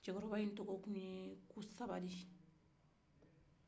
cɛkɔrɔba in tɔgɔ tun ye ko sabali